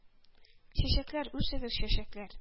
Чәчәкләр, үсегез, чәчәкләр,